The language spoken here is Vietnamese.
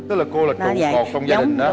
tức là cô là trụ cột trong gia đình đó